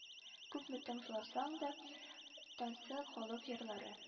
Күпме тыңласаң да тансык халык җырлары